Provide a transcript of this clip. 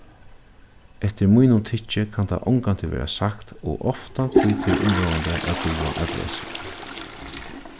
eftir mínum tykki kann tað ongantíð verða sagt ov ofta hví tað er umráðandi at duga at lesa